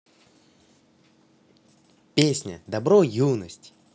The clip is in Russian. песня добро юность